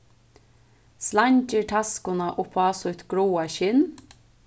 sleingir taskuna upp á sítt gráa skinn